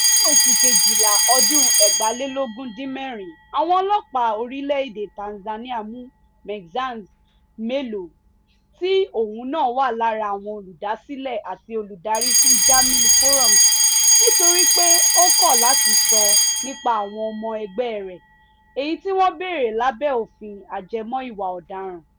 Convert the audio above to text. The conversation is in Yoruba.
Ní oṣù Kejìlá ọdún 2016,àwọn ọlọ́pàá orílẹ̀ èdè Tanzania mú Maxence Melo, tí òun náà wà lára àwọn olùdásílẹ̀, àti olùdarí fún Jamil Forums, nítorí pé ó kọ̀ láti sọ nípa àwọn ọmọ ẹgbẹ́ rẹ̀, èyí tí wọ́n béèrè lábẹ́ òfin ajẹmọ́ Ìwà Ọ̀daràn.